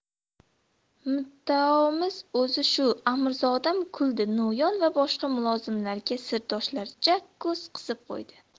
muddaomiz o'zi shu amirzodam kuldi no'yon va boshqa mulozimlarga sirdoshlarcha ko'z qisib qo'ydi